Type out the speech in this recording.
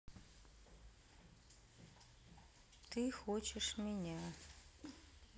ты хочешь меня